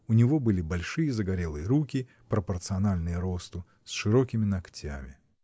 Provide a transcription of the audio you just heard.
У него были большие загорелые руки, пропорциональные росту, с широкими ногтями.